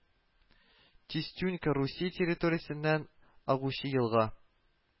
Чистюнька Русия территориясеннән агучы елга